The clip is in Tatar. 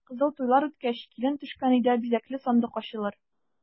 Кызыл туйлар үткәч, килен төшкән өйдә бизәкле сандык ачылыр.